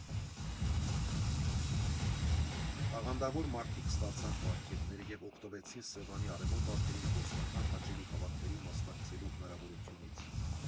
Տաղանդավոր մարդիկ ստացան պարգևներ և օգտվեցին Սևանի արևոտ ափերին գործնական հաճելի հավաքների մասնակցելու հնարավորությունից։